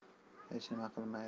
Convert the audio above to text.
hech nima qilmaydi